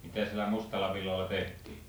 mitä sillä mustalla villalla tehtiin